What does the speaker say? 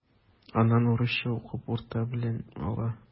Аннан урысча укып урта белем ала.